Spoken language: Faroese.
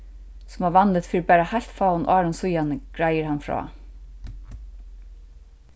sum var vanligt fyri bara heilt fáum árum síðani greiðir hann frá